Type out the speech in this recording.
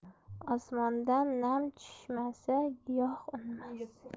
osmondan nam tushmasa giyoh unmas